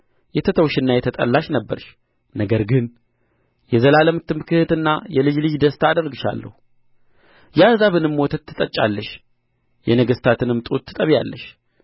የተተውሽና የተጠላሽ ነበርሽ ነገር ግን የዘላለም ትምክሕትና የልጅ ልጅ ደስታ አደርግሻለሁ የአሕዛብንም ወተት ትጠጫለሽ የነገሥታትንም ጡት ትጠቢያለሽ